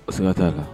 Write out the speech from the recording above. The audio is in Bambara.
O sika ta la.